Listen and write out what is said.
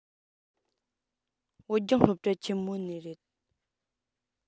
བོད ལྗོངས སློབ གྲྭ ཆེན མོ ནས རེད